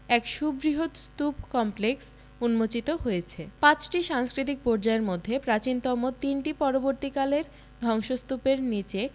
এক সুবৃহৎ স্তূপ কমপ্লেক্স উন্মোচিত হয়েছে পাঁচটি সাংস্কৃতিক পর্যায়ের মধ্যে প্রাচীনতম তিনটি পরবর্তীকালের ধ্বংস্তূপের নিচে